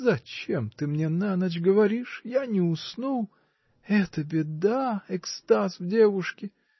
— Зачем ты мне на ночь говоришь: я не усну. Это беда — экстаз в девушке!